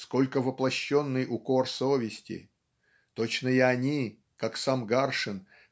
сколько воплощенный укор совести точно и они как сам Гаршин